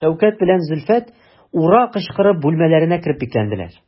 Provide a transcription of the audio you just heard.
Шәүкәт белән Зөлфәт «ура» кычкырып бүлмәләренә кереп бикләнделәр.